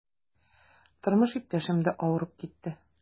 Тормыш иптәшем дә авырып китте.